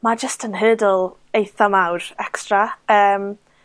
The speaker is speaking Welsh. ma' jyst yn hurdle eitha mawr extra, yym.